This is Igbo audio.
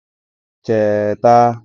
Cheta?